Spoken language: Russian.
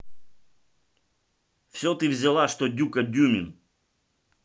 все ты взяла что дюка дюмин